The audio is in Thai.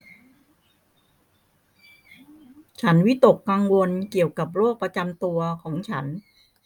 ฉันวิตกกังวลเกี่ยวกับโรคประจำตัวของฉัน